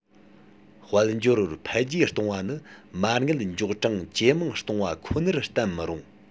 དཔལ འབྱོར འཕེལ རྒྱས གཏོང བ ནི མ དངུལ འཇོག གྲངས ཇེ མང གཏོང བ ཁོ ནར བརྟེན མི རུང